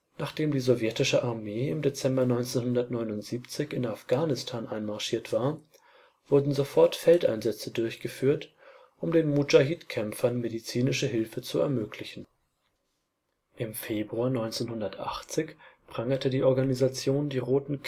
Nachdem die sowjetische Armee im Dezember 1979 in Afghanistan einmarschiert war, wurden sofort Feldeinsätze durchgeführt, um den Mudschahid-Kämpfern medizinische Hilfe zu ermöglichen. Im Februar 1980 prangerte die Organisation die Roten